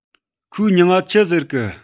ཁོའི མྱིང ང ཆི ཟེར གི